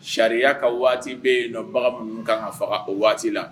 Sariya ka waati bɛ yen nɔ bagan kan'a fɔ a ko waati la